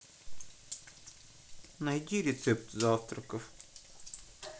найди рецепт завтраков